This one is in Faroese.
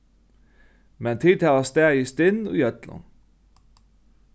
men tit hava staðið stinn í øllum